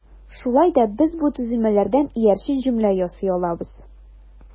Шулай да без бу төзелмәләрдән иярчен җөмлә ясый алабыз.